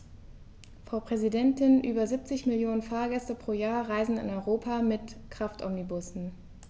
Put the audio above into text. Frau Präsidentin, über 70 Millionen Fahrgäste pro Jahr reisen in Europa mit Kraftomnibussen.